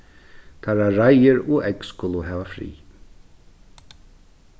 teirra reiður og egg skulu hava frið